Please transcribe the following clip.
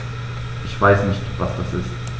Ich weiß nicht, was das ist.